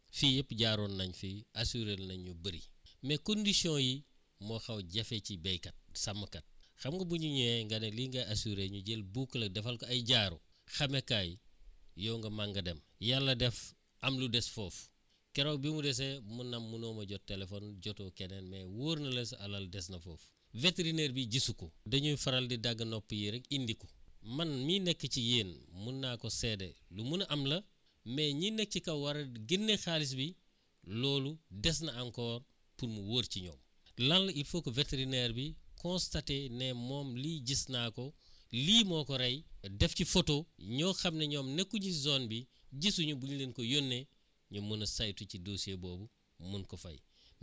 fii yëpp jaaroon nañ fi assurer nañ ñu bëri mais condition yi moo xaw a jafe ci béykat sàmmkat xam nga bu ñu ñëwee nga ne lii nga assurer ñu jël boucler defal ko ay jaaro xàmmekaay yow nga màng dem yàlla def am lu des foofu keroog bi mu desee mun na am munoo ma jot téléphone jotoo keneen mais wóor na la sa alal des na foofu vétérinaire bi gisu ko dañuy faral di dagg nopp yi rek indi ko man mii nekk ci yéen mun naa ko seede lu mun a am la mais ñi ne ci kaw war a génne xaalis bi loolu des na encore pour mu wër ci ñoom lan la il faut que vétérinaire bi constater ne moom lii gis naa ko lii moo ko rey def ci photo ñoo xam ne ñoom nekkuñu zone bii gisuñu bu ñu leen ko yónnee ñu mun a saytu ci dosier boobu mun ko fay